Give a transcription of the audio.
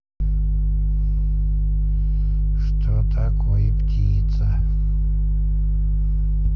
что такое птица